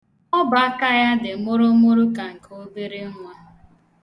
Ọbọaka ya dị mụrụmụrụ ka nke obere nwa.